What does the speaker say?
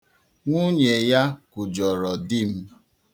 Nwunye ya kwujọrọ di m.